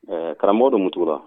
Karamɔgɔ don mutura